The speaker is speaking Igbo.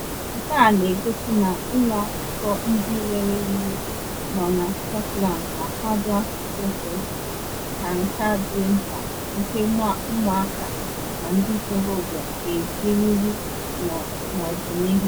Nke a na egosi na ụlọ akwụkwọ ndị nnwere onwe nọ na Scotland na akwado asụsụ ofesi ka nka dị mkpa nke ụmụaka na ndị ntorobịa ga-ejiriri n’ọdịnihu.